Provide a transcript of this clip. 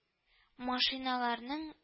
Машиналарның